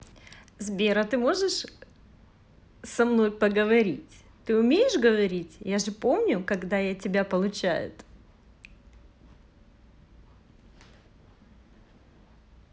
сбер а ты можешь говорить можешь со мной поговорить ты умеешь говорить я же помню когда я тебя получают